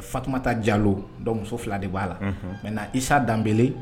Fatuma ta jalo dɔ muso fila de b'a la mɛ isa danb